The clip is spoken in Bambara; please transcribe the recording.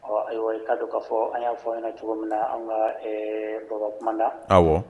Ɔ ayiwa k'a don k kaa fɔ an y'a fɔ ɲɛna na cogo min na an ka baba kumada